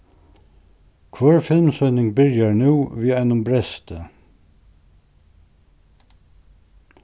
hvør filmssýning byrjar nú við einum bresti